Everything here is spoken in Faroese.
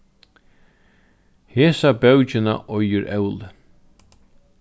hesa bókina eigur óli